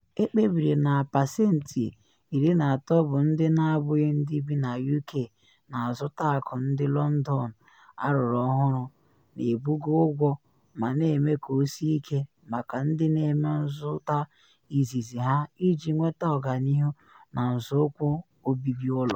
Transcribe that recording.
Ekpebiri na pasentị 13 bụ ndị na abụghị ndị bi na UK na azụta akụ ndị London arụrụ ọhụrụ, na ebugo ụgwọ ma na eme ka o sie ike maka ndị na eme nzụta izizi ha iji nweta ọganihu n’nzọụkwụ obibi ụlọ.